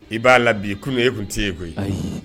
I b'a la bi kunun e tun tɛ yen koyi